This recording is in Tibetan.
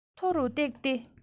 མཐོ རུ བཏེགས ཏེ